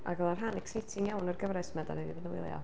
Ac roedd o'n rhan exciting iawn o'r gyfres 'ma dan ni 'di bod yn wylio.